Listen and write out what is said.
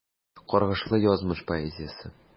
Каргышлы язмыш поэзиясе.